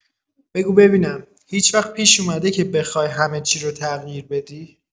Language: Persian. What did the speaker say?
بگو ببینم، هیچ‌وقت پیش اومده که بخوای همه چی رو تغییر بدی؟